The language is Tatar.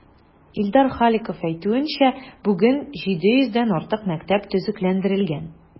Илдар Халиков әйтүенчә, бүген 700 дән артык мәктәп төзекләндерелгән.